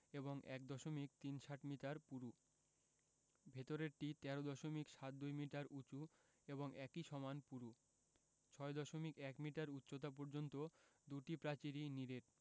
এবং ১দশমিক তিন সাত মিটার পুরু ও ভেতরেরটি ১৩ দশমিক সাত দুই মিটার উঁচু এবং একি সমান পুরু ৬দশমিক ১ মিটার উচ্চতা পর্যন্ত দুটি প্রাচীরই নিরেট